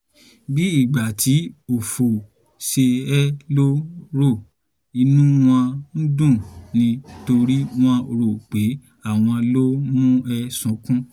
Bí ìgbà tí òfò ń ṣe ẹ ló ń rò. Inú wọn ń dùn ni torí wọ́n rò pé àwọn ló ń mú ẹ sọkún.@